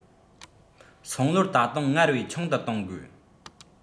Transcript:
སང ལོར ད དུང སྔར བས ཆུང དུ གཏོང དགོས